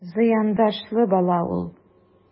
Зыяндашлы бала ул...